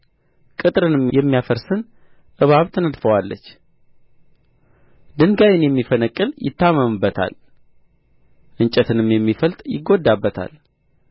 ቅጥርንም የሚያፈርስን እባብ ትነድፈዋለች ድንጋይን የሚፈነቅል ይታመምበታል እንጨትንም የሚፈልጥ ይጐዳበታል